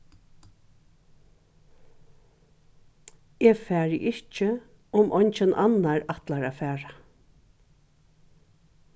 eg fari ikki um eingin annar ætlar at fara